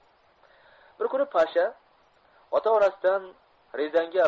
bir kuni pasha ota onasidan ryazanga